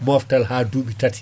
moftere ha duuɓi tati